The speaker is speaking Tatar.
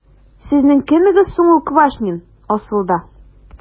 Сезнең кемегез соң ул Квашнин, асылда? ..